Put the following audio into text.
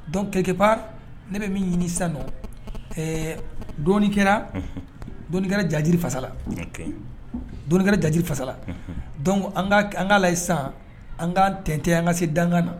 Donc quelque part ne bɛ min ɲini sisan nɔ, ɛɛ dɔɔni kɛra Jajiri fasala, ok dɔɔni kɛra Jajiri fasala, unhun, donc an ka lajɛ sisan an k'a tɛntɛ an ka se dankan na.